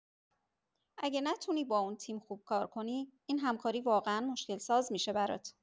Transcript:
اگه نتونی با اون تیم خوب کار کنی، این همکاری واقعا مشکل‌ساز می‌شه برات.